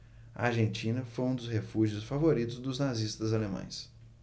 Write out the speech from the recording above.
a argentina foi um dos refúgios favoritos dos nazistas alemães